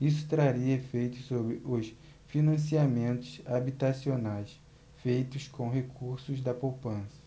isso traria efeitos sobre os financiamentos habitacionais feitos com recursos da poupança